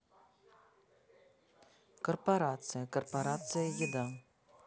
корпорация корпорация еда